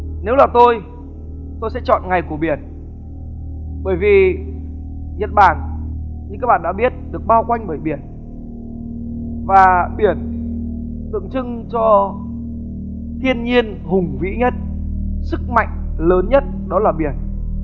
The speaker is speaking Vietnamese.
nếu là tôi tôi sẽ chọn ngày của biển bởi vì nhật bản như các bạn đã biết được bao quanh bởi biển và biển tượng trưng cho thiên nhiên hùng vĩ nhất sức mạnh lớn nhất đó là biển